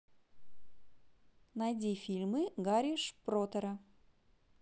найди фильмы гарри шпротера